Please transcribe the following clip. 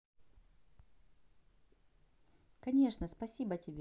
конечно спасибо тебе